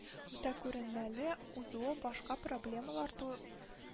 Үтәкүренмәле узуы башка проблемалар ту